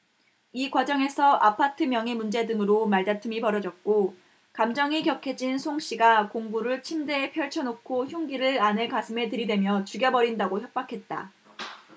이 과정에서 아파트 명의 문제 등으로 말다툼이 벌어졌고 감정이 격해진 송씨가 공구를 침대에 펼쳐놓고 흉기를 아내 가슴에 들이대며 죽여버린다고 협박했다